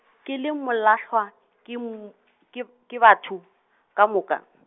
ke le molahlwa ke m-, ke b-, ke batho, ka moka.